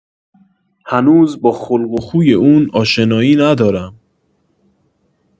هنوز با خلق و خوی اون آشنایی ندارم